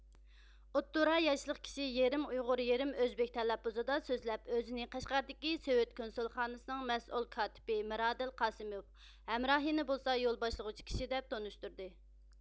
ئوتتۇرا ياشلىق كىشى يېرىم ئۇيغۇر يېرىم ئۆزبېك تەلەپپۇزىدا سۆزلەپ ئۆزىنى قەشقەردىكى سوۋېت كونسۇلخانىسىنىڭ مەسئۇل كاتىپى مىرادىل قاسىموۋ ھەمراھىنى بولسا يول باشلىغۇچى كىشى دەپ تونۇشتۇردى